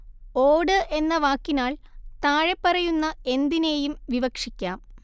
ഓട് എന്ന വാക്കിനാല്‍ താഴെപ്പറയുന്ന എന്തിനേയും വിവക്ഷിക്കാം